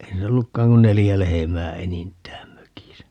ei niillä ollutkaan kuin neljä lehmää enintään mökissä